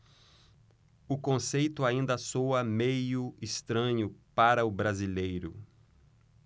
o conceito ainda soa meio estranho para o brasileiro